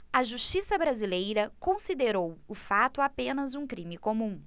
a justiça brasileira considerou o fato apenas um crime comum